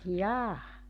jaa